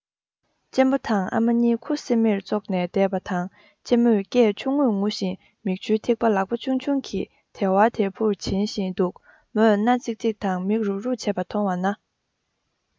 གཅེན པོ དང ཨ མ གཉིས ཁུ སིམ མེར ཙོག ནས བསྡད པ དང གཅེན མོས སྐད ཆུང ངུས ངུ བཞིན མིག ཆུའི ཐིགས པ ལག པ ཆུང ཆུང གིས དལ བ དལ བུར འབྱིད བཞིན འདུག མོས སྣ རྫིག རྫིག དང མིག རུབ རུབ བྱེད པ མཐོང བ ན